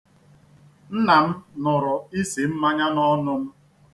Nna m nụrụ isi mmanya n'ọnụ m.